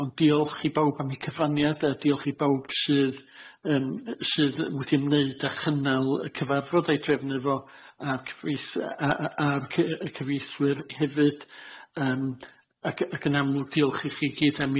ond diolch i bawb am eu cyfraniad a diolch i bawb sydd yym yy sydd wedi ymwneud â chynnal y cyfarfod a'i drefnu fo a'r cyfreith- yy a- a- a'r cy- yy cyfreithwyr hefyd yym ac y- ac yn amlwg diolch i chi gyd am